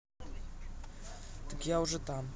так я уже там